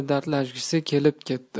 dardlashgisi kelib ketdi